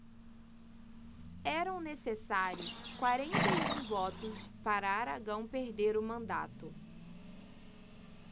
eram necessários quarenta e um votos para aragão perder o mandato